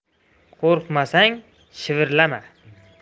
qo'rqmasang shivirlama